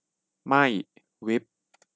ไม่วิป